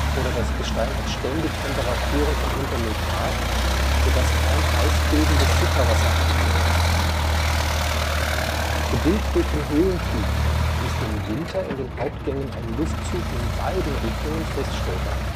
oder das Gestein hat ständig Temperaturen von unter Null Grad, so dass kein eisbildendes Sickerwasser eindringen kann. Bedingt durch den Höhlentyp ist im Winter in den Hauptgängen ein Luftzug in beiden Richtungen feststellbar